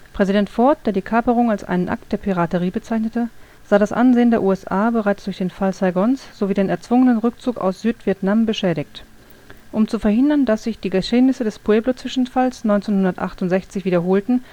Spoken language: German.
Präsident Ford, der die Kaperung als einen Akt der Piraterie bezeichnete, sah das Ansehen der USA bereits durch den Fall Saigons sowie den erzwungenen Rückzug aus Südvietnam beschädigt. Um zu verhindern, dass sich die Geschehnisse des Pueblo-Zwischenfalls 1968 wiederholten